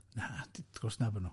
Na, wrth gwrs na bo' nhw.